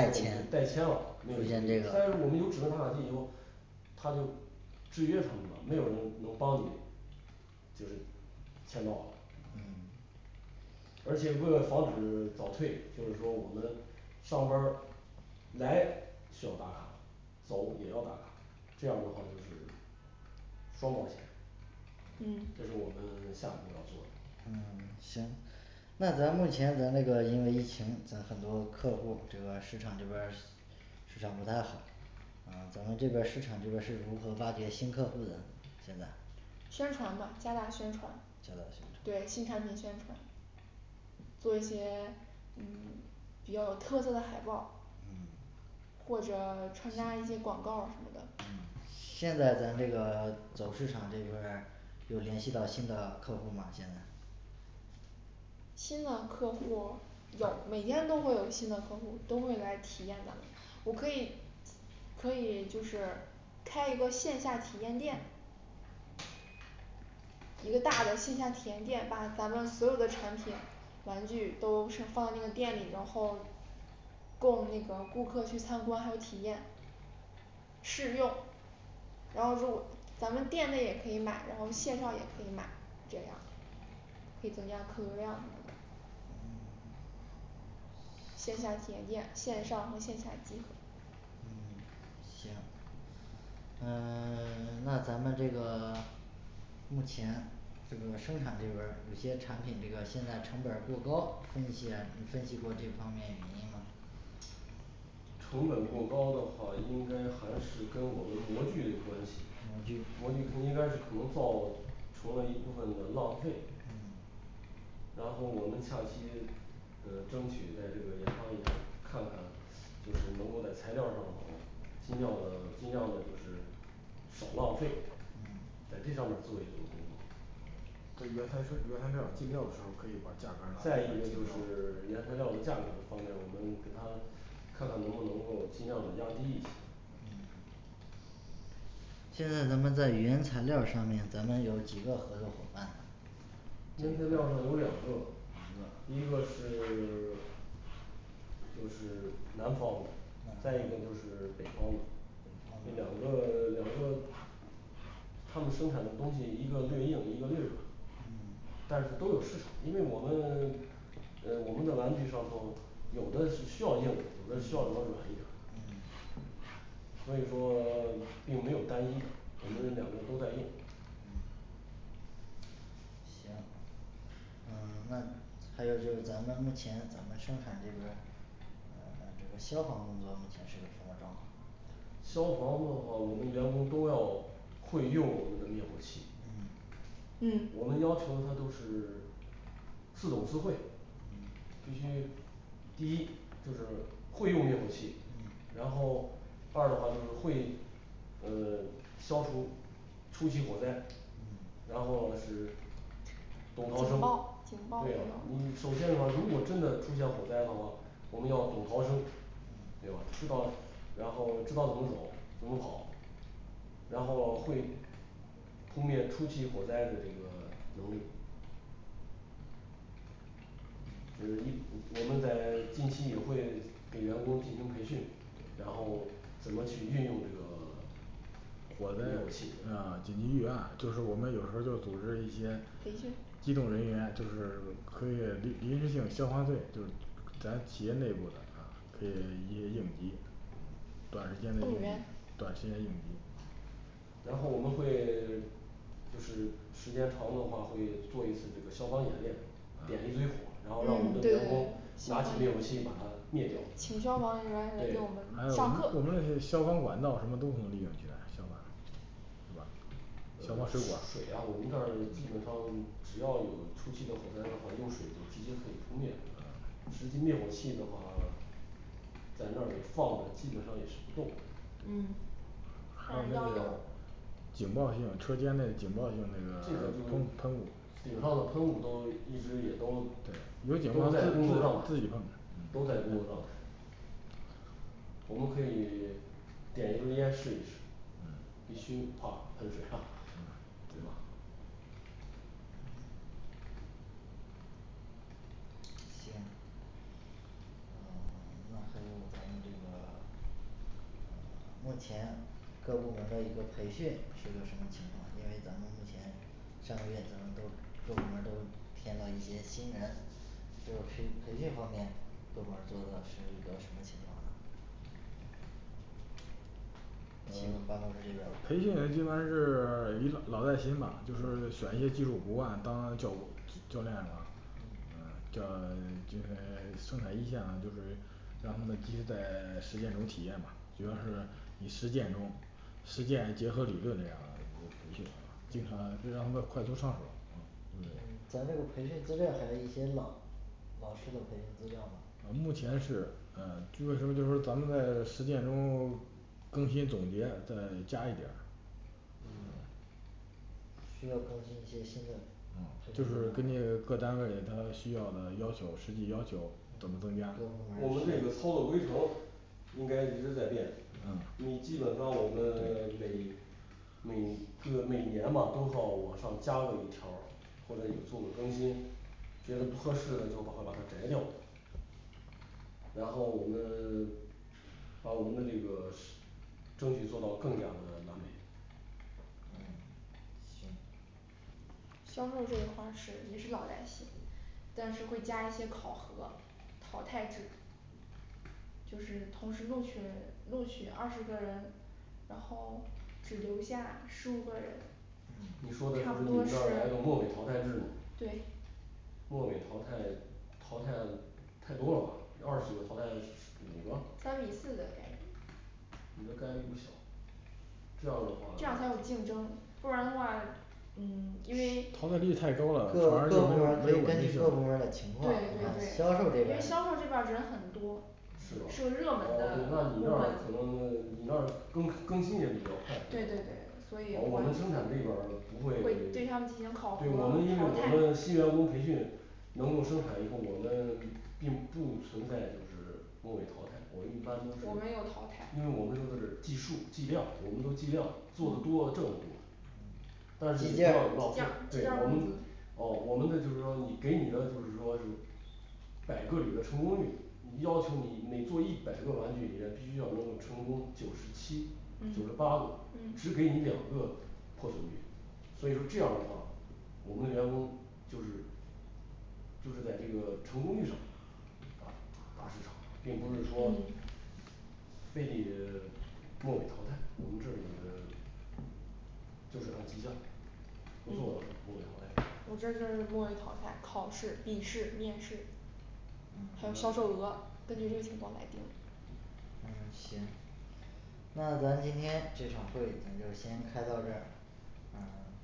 我们签就代签了，没有目争前这议个，但是我们有指纹打卡机以后它就制约他们了，没有人能帮你就是签到了而且为了防止早退，就是说我们上班儿来需要打卡，走也要打卡这样的话就是双保险嗯这是我们下一步要做的嗯行那咱目前咱这个因为疫情咱很多客户这块儿市场这块儿市场不太好哦咱们这边儿市场这边儿是如何挖掘新客户的现在宣传嘛加大宣传，加大对宣传新产品宣传做一些嗯比较有特色的海报嗯或者传达一些广告什么的嗯现在咱这个走市场这一块儿有联系到新的客户儿吗现在新的客户有每天都会有新的客户都会来体验的，我可以可以就是开一个线下体验店一个大的线下体验店，把咱们所有的产品玩具都是放在那个店里然后供那个顾客去参观，还有体验试用，然后如果咱们店内也可以买，然后线上也可以买，这样可以增加客流量这个线下体验店线上和线下结合呃 那咱们这个目前这个生产这边儿有些产品这个现在成本儿过高生产这边儿你分析过这方面原因吗成本过高的话应该还是跟我们模具有关系模模具具它应该是可能造成了一部分的浪费然后我们下期呃争取在这个研发一下儿看看就是能够在材料儿上头尽量的尽量的就是少浪费嗯在这上面儿做一做工作在原材是原材料儿进料儿的时候可以把价格儿拉下再一个就是原材料的价格方面我们跟他看看能不能够尽量的压低一些现在咱们在原材料儿上面，咱们有几个合作伙伴啊原材料儿上有两个两个一个是 就是南方南方的北方的，再一个就的是北方的北方这两的个两个他们生产的东西一个越硬一个越软但是都有市场，因为我们呃我们的玩具上头有的是需要硬的，有的需要软一点儿所以说并没有单一的，我们两个都在用行嗯那还有就是咱们目前咱们生产这边儿呃消防工作目前是有什么状况这边儿消防的话我们员工都要会用我们的灭火器嗯我们要求他都是四懂四会，必须第一就是会用灭火器，然后二的话就是会呃消除初期火灾，然后是警懂逃生报警报对啊你首先的话如果真的出现火灾的话，我们要懂逃生对吧？知道然后知道怎么走怎么跑然后会扑灭初期火灾的这个能力呃一我们在近期也会给员工进行培训，然后怎么去运用这个火灭灾火呃器紧急预案，就是我们有时候儿就组织一些培训机动人员就是可以临临时性消防队就是咱企业内部的啊可以应应急嗯短时间内动员短时间应急然后我们会就是时间长的话会做一次这个消防演练点一堆火，然后让我嗯们的对员工拿起灭火器把它灭掉对请消防人员来给我对们上课我们消防管道什么都不能演习啊消防是吧消防呃水水管儿水呀我们这儿基本上只要有初期的火灾的话用水就直接可以扑灭了实际灭火器的话在那里放着基本上也是不动嗯但是要有警报应用，车间内的警报应用这个就是顶那个它都有上的喷雾都一直也都都在工作状态，都在工作状态我们可以点一根儿烟试一试必须哗喷水啊 对吧目前各部门儿的一个培训是个什么情况，因为咱们目前上个月咱们都各部门儿都添了一些新人这个培培训方面各部门儿做的是一个什么情况啊这个方面培是训嗯基本上是以老老带新吧就是选一些技术骨干当教务教教练吧呃教就是生产一线，啊就是让他们继续在实践中体验吧比方是你实践中实践结合理论这样一些培训经常就是让他们快速上手咱培训资料还是一些老老式的培训资料吗嗯目前是呃所以说就是说咱们在实践中更新总结呃加一点儿嗯需要更新一些新的它就是跟那个各单位它需要要求实际要求嗯各部门怎么增加我们这儿个需操要作规程应该一直在变，嗯因为基本上我们每每就是每年都好往上加了一条，或者也做了更新觉得不合适的就会把它摘掉然后我们把我们的这个事 争取做到更加的完美嗯行销售这一块儿是也是老带新，但是会加一些考核，淘汰制度就是同时录取录取二十个人然后只留下十五个人你嗯说的就是差不你多们是这儿来个末尾淘汰制吗对末尾淘汰淘汰太多了吧你二十个淘汰十 五个三比四的概率你的概率不小这样的这样才话有竞争，不然的话嗯因为淘汰率太高各了各部门儿可以根据各部门儿的对对对因情况你看为销销售这边儿售这边儿人很多是是吧呃个热门对那你那儿的可能你那儿更更新也比较快对对噢对所以对我们生产这边不会对对因为我他们进行考核淘们汰新员工培训能够生产以后，我们并不存在就是末尾淘汰我一般都是我们有淘汰因为我们就是计数计量我们都计量做的多挣得多但是也计不要件儿有浪计费件儿计件对儿我工们资哦我们的就是说你给你的就是说是百个里的成功率，你要求你每做一百个玩具里面必须要能够成功九十七九十嗯八个嗯只给你两个破损率所以说这样的话，我们的员工就是就是在这个成功率上大市场并不是说嗯非得末位淘汰，我们这里就是按计件儿不做末位淘汰制我这就是末位淘汰，考试、笔试、面试还有销嗯售额，根据这个情况来定嗯行那咱今天这场会咱就先开到这儿